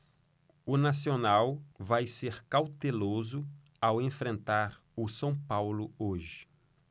o nacional vai ser cauteloso ao enfrentar o são paulo hoje